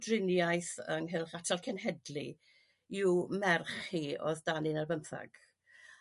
driniaeth ynghylch atal cenhedlu i'w merch hi o'dd dan un ar bymthag.